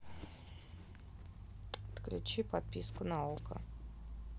отключи подписку на окко